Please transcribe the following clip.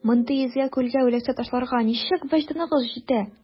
Мондый изге күлгә үләксә ташларга ничек вөҗданыгыз җитә?